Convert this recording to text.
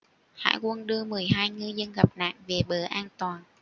hải quân đưa mười hai ngư dân gặp nạn về bờ an toàn